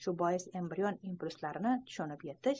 shu bois embrion impul'slarini tushunib yetish